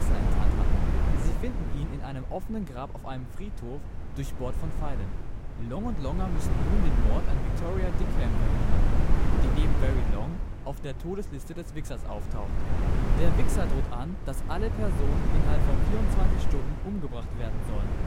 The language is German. enttarnt hatten. Sie finden ihn in einem offenen Grab auf einem Friedhof, durchbohrt von Pfeilen. Long und Longer müssen nun den Mord an Victoria Dickham verhindern, die neben Very Long auf der Todesliste des Wixxers auftaucht. Der Wixxer droht an, dass alle Personen innerhalb von 24 Stunden umgebracht werden sollen